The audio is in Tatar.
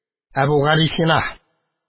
Әбүгалисина